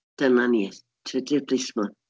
Dyma ni, Trydydd Plismon.